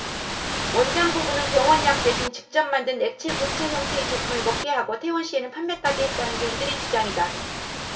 원장 부부는 병원 약 대신 직접 만든 액체 고체 형태의 제품을 먹게 하고 퇴원 시에는 판매까지 했다는 게 이들의 주장이다